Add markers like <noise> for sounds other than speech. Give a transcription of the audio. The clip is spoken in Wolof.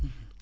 <hesitation> <hesitation>